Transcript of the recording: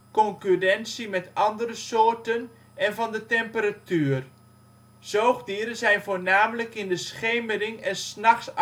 concurrentie met andere soorten en van de temperatuur. Zoogdieren zijn voornamelijk in de schemering en ' s nachts